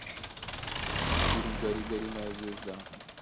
фильм гори гори моя звезда